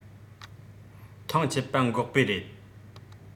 ཐང ཆད པ འགོག པའི རེད